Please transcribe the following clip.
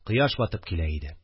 Кояш батып килә иде